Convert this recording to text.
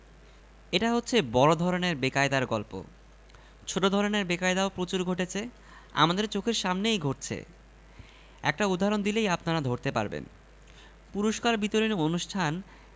এখন অতিথিকে সেখানে বসে বাথরুম করতে হবে ছেলের মা বিব্রত হয়ে বললেন ছিঃ লক্ষীসোনা এসব কি বলে তোমার খালা হয় না কিন্তু ততক্ষণে ওর মাথায় ব্যাপারটা ঢুকে গেছে